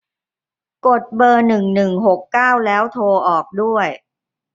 กดเบอร์หนึ่งหนึ่งหกเก้าแล้วโทรออกด้วย